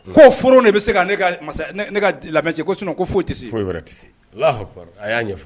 Ko furu de bɛ se ka lamɛn ko foyi te y'a